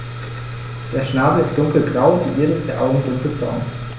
Der Schnabel ist dunkelgrau, die Iris der Augen dunkelbraun.